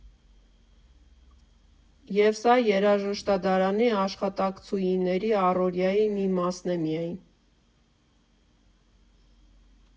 Եվ սա երաժշտադարանի աշխատակցուհիների առօրյայի մի մասն է միայն։